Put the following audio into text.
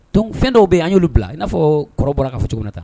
Tɔnon fɛn dɔw bɛ y yanan'olu bila i n'a fɔ kɔrɔ bɔra k'acogo cogo na tan